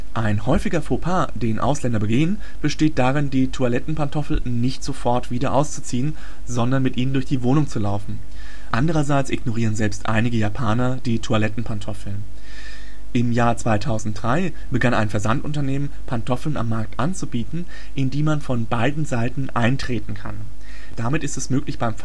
Ein häufiger Fauxpas, den Ausländer begehen, besteht darin, die Toilettenpantoffeln nicht sofort wieder auszuziehen, sondern mit ihnen durch die Wohnung zu laufen. Andererseits ignorieren selbst einige Japaner die Toilettenpantoffeln. Im Jahr 2003 begann ein Versandunternehmen, Pantoffeln am Markt anzubieten, in die man von beiden Seiten „ eintreten “kann. Damit ist es möglich, beim Verlassen